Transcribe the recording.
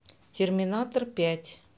терминатор пять